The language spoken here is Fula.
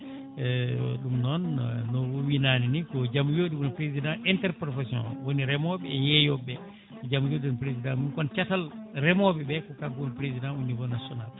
ɗum noon nowo wi nane ni ko jaam yooɗi no président interprofession woni reemoɓe e yeeyoɓe ɓe a jaam * président mum kon caatal remoɓeɓe kanko woni président au niveau national